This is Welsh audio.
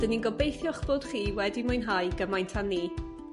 Dyn ni'n gobeithio'ch bod chi wedi mwynhau gymaint â ni.